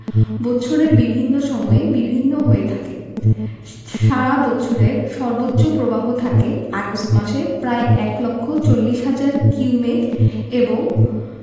বৎসরের বিভিন্ন সময়ে বিভিন্ন হয়ে থাকে সারা বৎসরের সর্বোচ্চ প্রবাহ থাকে আগস্ট মাসে প্রায় এক লক্ষ চল্লিশ হাজার কিউমেক এবং